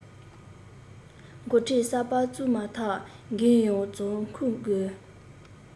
འགོ ཁྲིད གསར པ བཙུགས མ ཐག འགན ཡོངས རྫོགས འཁུར དགོས